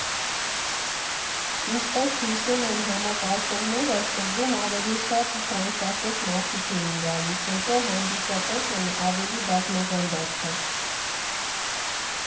Ինչպես հիշում են համակարգողները, սկզբում ավելի շատ ֆրանսախոս մարդիկ էին գալիս, հետո հանդիսատեսն ավելի բազմազան դարձավ։